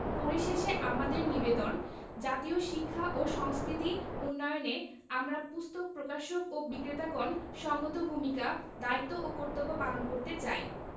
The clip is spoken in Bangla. পরিশেষে আমাদের নিবেদন জাতীয় শিক্ষা ও সংস্কৃতি উন্নয়নে আমরা পুস্তক প্রকাশক ও বিক্রেতাগণ সঙ্গত ভূমিকা দায়িত্ব ও কর্তব্য পালন করতে চাই